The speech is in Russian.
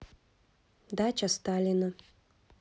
дача сталина